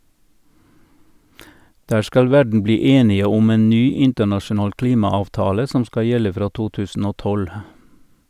Der skal verden bli enige om en ny internasjonal klimaavtale som skal gjelde fra 2012.